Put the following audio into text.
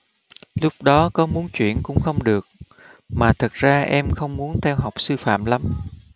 lúc đó có muốn chuyển cũng không được mà thật ra em không muốn theo học sư phạm lắm